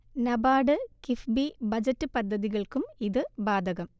NABARD, KIIFB, budget പദ്ധതികൾക്കും ഇത് ബാധകം